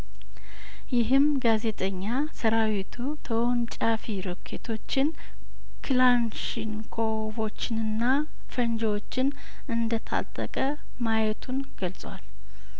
ይህም ጋዜጠኛ ሰራዊቱ ተወንጫፊ ሮኬቶችን ክላንሺን ኮቮችንና ፈንጂዎችን እንደታጠቀ ማየቱን ገልጿል